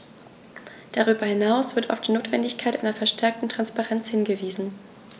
Darüber hinaus wird auf die Notwendigkeit einer verstärkten Transparenz hingewiesen.